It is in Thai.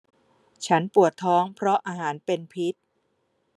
ฉันปวดท้องเพราะอาหารเป็นพิษ